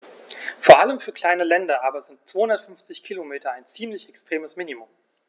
Vor allem für kleine Länder aber sind 250 Kilometer ein ziemlich extremes Minimum.